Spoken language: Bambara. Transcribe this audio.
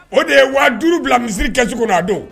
O de ye wa duuru bila misi kɛcogo na don